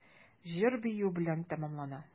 Җыр-бию белән тәмамлана.